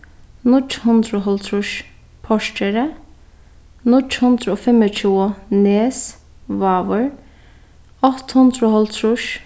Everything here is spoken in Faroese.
níggju hundrað og hálvtrýss porkeri níggju hundrað og fimmogtjúgu nes vágur átta hundrað og hálvtrýss